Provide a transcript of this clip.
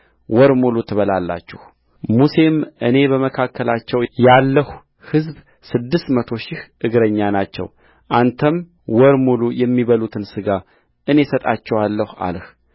ወር ሙሉ ትበሉታላችሁሙሴም እኔ በመካከላቸው ያለሁ ሕዝብ ስድስት መቶ ሺህ እግረኛ ናቸው አንተም ወር ሙሉ የሚበሉትን ሥጋ እኔ እሰጣቸዋለሁ አልህ